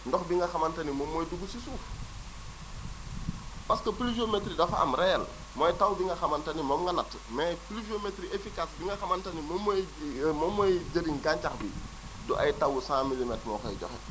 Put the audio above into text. ndox bi nga xamante ni moom mooy dugg si suuf parce que pluviomètrie dafa am réelle mooy taw bi nga xamante ni moom nga natt mais pluviomètrie éfficace bi nga xamante ni moom mooy moom mooy jëriñ gàncax gi du ay tawu 100 milimètres moo koy joxe